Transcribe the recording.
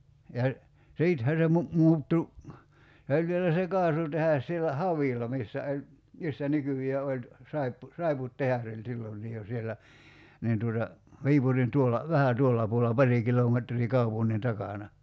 ja sittenhän se - muuttui se oli vielä se kaasutehdas siellä Havilla missä oli missä nykyään oli - saippuatehdas oli silloinkin jo siellä niin tuota Viipurin tuolla vähän tuolla puolella pari kilometriä kaupungin takana